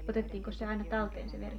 otettiinkos se aina talteen se veri